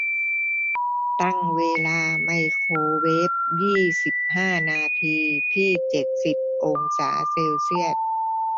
ตั้งเวลาไมโครเวฟยี่สิบห้านาทีที่เจ็ดสิบองศาเซลเซียส